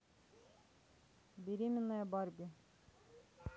беременная барби